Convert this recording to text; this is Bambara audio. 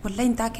Boli la in taa kɛ